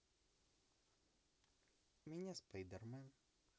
меня спайдермен